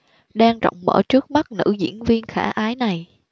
đang rộng mở trước mắt nữ diễn viên khả ái này